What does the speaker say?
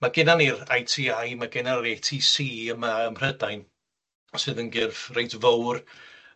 Mae gennan ni'r I Tee I, ma gennan ni'r Tee See Ee yma ym Mhrydain, sydd yn gyrff reit fowr.